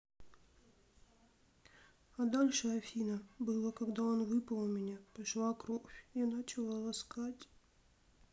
а дальше афина было когда он выпал у меня пошла кровь я начала ласкать